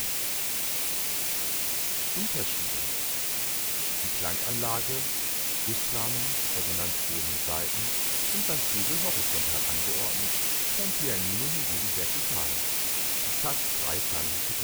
Unterschiede: Die Klanganlage (Gussrahmen, Resonanzboden und Saiten) sind beim Flügel horizontal angeordnet, beim Pianino hingegen vertikal. Dieses hat drei klangliche Konsequenzen